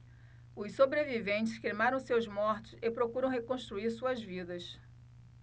os sobreviventes cremaram seus mortos e procuram reconstruir suas vidas